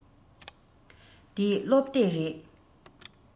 འདི སློབ དེབ རེད